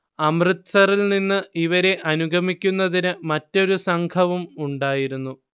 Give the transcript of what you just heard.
അമൃത്സറിൽനിന്ന് ഇവരെ അനുഗമിക്കുന്നതിന് മറ്റൊരു സംഘവും ഉണ്ടായിരുന്നു